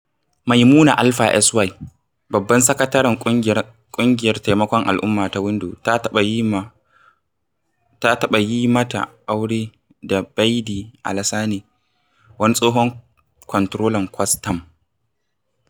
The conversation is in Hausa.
Maimouna Alpha Sy, babban sakataren ƙungiyar taimakon al'umma ta Window, an taɓa yi mata aure da Baidy Alassane, wani tsohon kwanturolan kwastam.